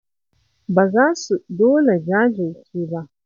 Ba za su dole jajirce ba.